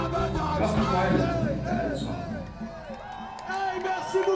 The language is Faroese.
tað er altíð deiligt at hitta eldsálirnar